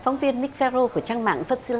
phóng viên ních phe rô của trang mạng phứt xa